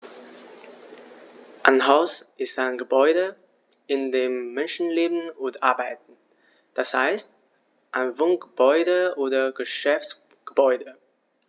Ein Haus ist ein Gebäude, in dem Menschen leben oder arbeiten, d. h. ein Wohngebäude oder Geschäftsgebäude.